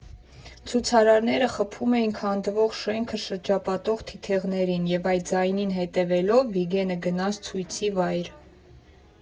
Ցուցարարները խփում էին քանդվող շենքը շրջապատող թիթեղներին, և այդ ձայնին հետևելով՝ Վիգէնը գնաց ցույցի վայր։